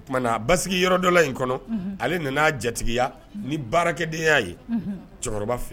O kumana basigi yɔrɔ dɔ la in kɔnɔ , ale nana jatigiya ni baarakɛdenya ye cɛkɔrɔba fe yen